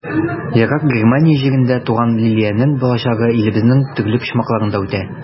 Ерак Германия җирендә туган Лилиянең балачагы илебезнең төрле почмакларында үтә.